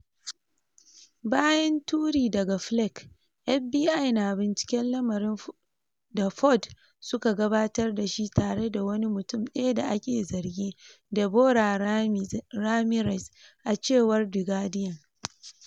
Bayan turi daga Flake, FBI na binciken lamarin da Ford suka gabatar da shi tare da wani mutum daya da ake zargi, Deborah Ramirez, a cewar The Guardian.